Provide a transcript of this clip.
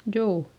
juu